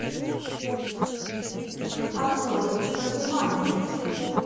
открой кофемания